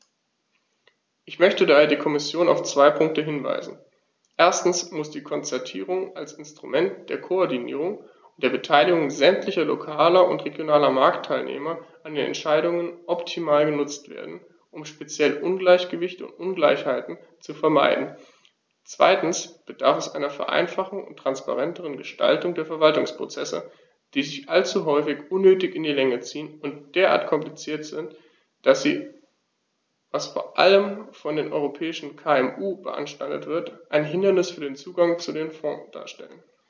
Ich möchte daher die Kommission auf zwei Punkte hinweisen: Erstens muss die Konzertierung als Instrument der Koordinierung und der Beteiligung sämtlicher lokaler und regionaler Marktteilnehmer an den Entscheidungen optimal genutzt werden, um speziell Ungleichgewichte und Ungleichheiten zu vermeiden; zweitens bedarf es einer Vereinfachung und transparenteren Gestaltung der Verwaltungsprozesse, die sich allzu häufig unnötig in die Länge ziehen und derart kompliziert sind, dass sie, was vor allem von den europäischen KMU beanstandet wird, ein Hindernis für den Zugang zu den Fonds darstellen.